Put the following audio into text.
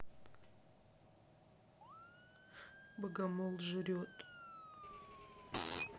богомол жрет